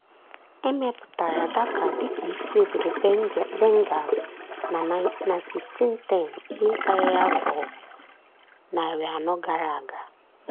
E mepụtara Dhaka dịka isi obodo Bengal na 1610, ihe karịrị afọ narị anọ gara aga.